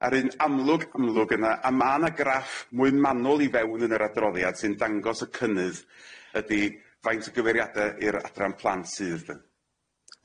A'r un amlwg amlwg yna a ma' 'na graff mwy manwl i fewn yn yr adroddiad sy'n dangos y cynnydd ydi faint o gyfeiriade i'r adran plant sydd 'de?